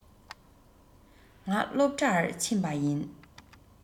ང སློབ གྲྭར ཕྱིན པ ཡིན